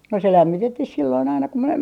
no se lämmitettiin silloin aina kun minä